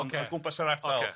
ond o gwmpas yr ardal... Ocê.